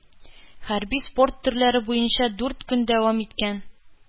Хәрби-спорт төрләре буенча дүрт көн дәвам иткән